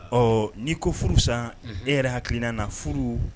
Ɔ n'i ko furu san e yɛrɛ hakilikinan na furu